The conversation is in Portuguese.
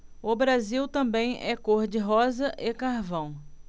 o brasil também é cor de rosa e carvão